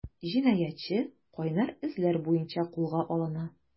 Җинаятьче “кайнар эзләр” буенча кулга алына.